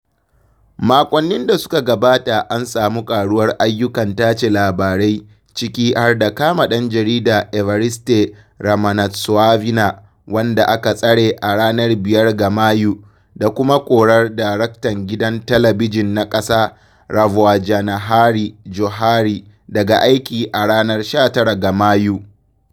Makonnin da suka gabata an samu ƙaruwar ayyukan tace labarai, ciki har da kama ɗan jarida Evariste Ramanatsoavina, wanda aka tsare a ranar 5 ga Mayu, da kuma korar daraktan gidan Talabijin na Ƙasa Ravoajanahary Johary, daga aiki a ranar 19 ga Mayu.